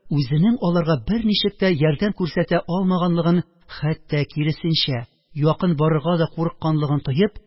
Үзенең аларга берничек тә ярдәм күрсәтә алмаганлыгын, хәтта киресенчә, якын барырга да курыкканлыгын тоеп